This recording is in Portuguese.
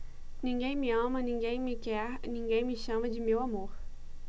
ninguém me ama ninguém me quer ninguém me chama de meu amor